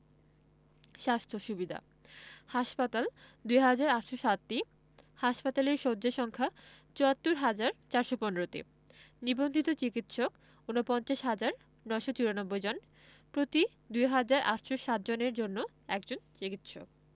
স্বাস্থ্য সুবিধাঃ হাসপাতাল ২হাজার ৮৬০টি হাসপাতালের শয্যা সংখ্যা ৭৪হাজার ৪১৫টি নিবন্ধিত চিকিৎসক ৪৯হাজার ৯৯৪ জন প্রতি ২হাজার ৮৬০ জনের জন্য একজন চিকিৎসক